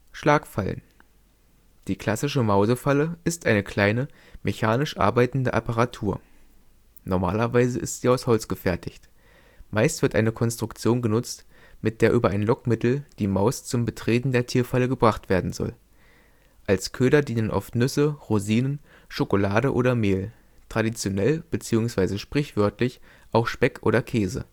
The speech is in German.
Schlagfallen Klassische Mausefalle aus Holz Schlagfalle aus Kunststoff Die klassische Mausefalle ist eine kleine, mechanisch arbeitende Apparatur. Normalerweise ist sie aus Holz gefertigt. Meist wird eine Konstruktion genutzt, mit der über ein Lockmittel die Maus zum Betreten der Tierfalle gebracht werden soll. Als Köder dienen oft Nüsse, Rosinen, Schokolade oder Mehl, traditionell bzw. sprichwörtlich auch Speck oder Käse